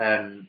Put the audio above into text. Yym.